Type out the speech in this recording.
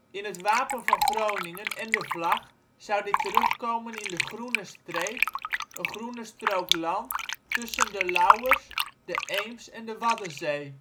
In het wapen van Groningen (en de vlag) zou dit terugkomen in de groene streep; een groene strook land; tussen de Lauwers, de Eems en de Waddenzee